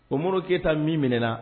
O mori keyita min minɛɛna